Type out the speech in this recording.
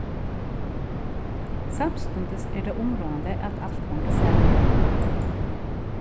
samstundis er tað umráðandi at alt hongur saman